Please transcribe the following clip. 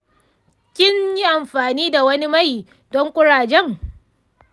kin yi amfani da wani mai don ƙurajen?